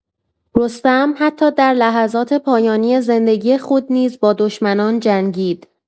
رستم حتی در لحظات پایانی زندگی خود نیز با دشمنان جنگید.